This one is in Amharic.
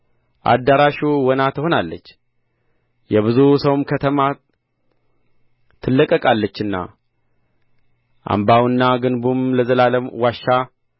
አዳራሹ ወና ትሆናለችና የብዙ ሰውም ከተማ ትለቀቃለችና አምባውና ግንቡም ለዘላለም ዋሻ